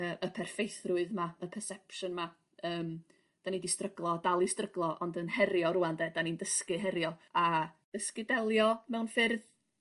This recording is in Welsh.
y y perffeithrwydd 'ma y perception 'ma yym 'dan ni 'di stryglo dal i stryglo ond yn herio rŵan 'de 'dan ni'n dysgu herio a dysgu delio mewn ffyrdd